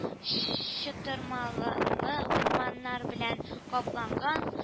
Чытырмаланлы урманнар белән капланган